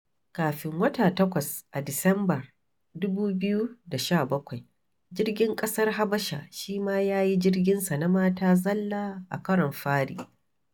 Kafin wata takwas a Disamba 2017, jirgin ƙasar Habasha shi ma ya yi jirginsa na mata zalla a karon fari.